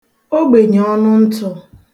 ogbènyèọnụntụ̄